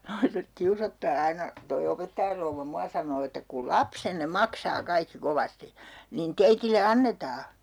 naiset kiusoittaa aina tuo opettajan rouva minua sanoo että kun lapsenne maksaa kaikki kovasti niin teille annetaan